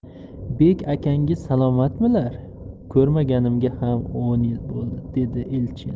bek akangiz salomatmilar ko'rmaganimga ham o'n yil bo'ldi dedi elchin